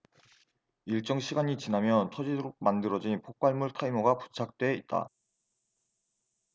일정 시간이 지나면 터지도록 만들어진 폭발물 타이머가 부착돼 있다